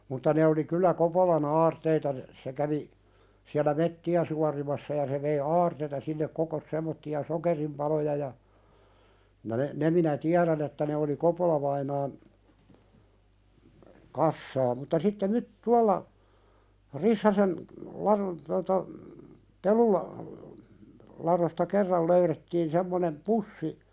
mutta ne oli kyllä Kopolan aarteita - se kävi siellä metsiä suorimassa ja se vei aarteita sinne kokosi semmoisia sokerinpaloja ja ja ne ne minä tiedän että ne oli Kopola-vainaan kassaa mutta sitten - tuolla Rissasen ladon tuota - peluladosta kerran löydettiin semmoinen pussi